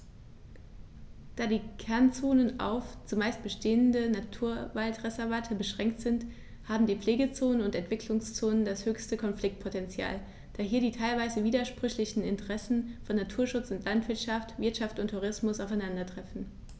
Da die Kernzonen auf – zumeist bestehende – Naturwaldreservate beschränkt sind, haben die Pflegezonen und Entwicklungszonen das höchste Konfliktpotential, da hier die teilweise widersprüchlichen Interessen von Naturschutz und Landwirtschaft, Wirtschaft und Tourismus aufeinandertreffen.